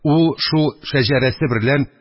Ул шул шәҗәрәсе берлән,